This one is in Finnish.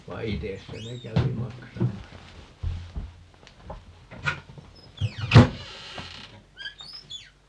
vaan itse se ne kävi maksamassa